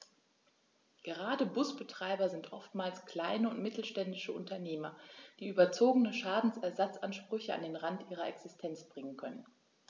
Gerade Busbetreiber sind oftmals kleine und mittelständische Unternehmer, die überzogene Schadensersatzansprüche an den Rand ihrer Existenz bringen können.